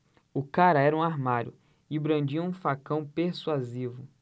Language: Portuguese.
o cara era um armário e brandia um facão persuasivo